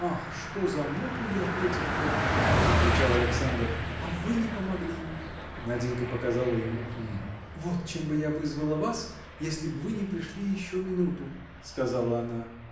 – Ах, что за муку я вытерпел, – отвечал Александр, – а вы не помогли! Наденька показала ему книгу. – Вот чем бы я вызвала вас если б вы не пришли еще минуту – сказала она.